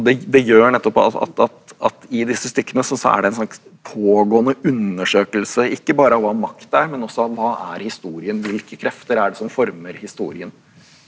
og det det gjør nettopp at at at at i disse stykkene så så er det en slags pågående undersøkelse, ikke bare av hva makt er men også av hva er historien, hvilke krefter er det som former historien?